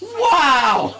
Wow!